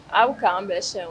Aw kan bɛ senɲɛ